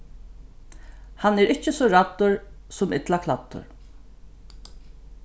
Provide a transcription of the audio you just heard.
hann er ikki so ræddur sum illa klæddur